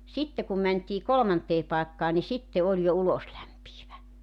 sitten kun mentiin kolmanteen paikkaan niin sitten oli jo uloslämpiävä